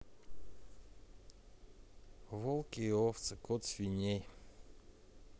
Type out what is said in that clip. волки и овцы ход свиньей